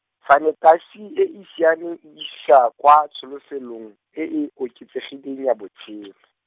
sanetasi e e siameng e isa kwa tsholofelong, e e, oketsegileng ya botshelo.